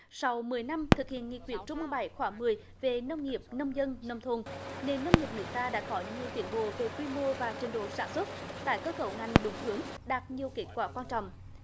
sau mười năm thực hiện nghị quyết trung ương bảy khóa mười về nông nghiệp nông dân nông thôn nền nông nghiệp nước ta đã có nhiều tiến bộ về quy mô và trình độ sản xuất tái cơ cấu ngành đúng hướng đạt nhiều kết quả quan trọng